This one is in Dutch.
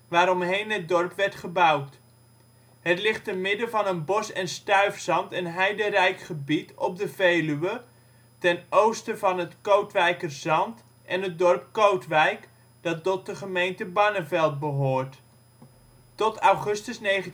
waaromheen het dorp werd gebouwd. Het ligt te midden van een bos -, stuifzand - en heiderijk gebied op de Veluwe, ten oosten van het Kootwijkerzand en het dorp Kootwijk, dat tot de gemeente Barneveld behoort. Tot augustus 1966